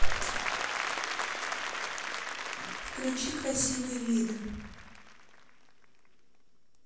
включи красивые виды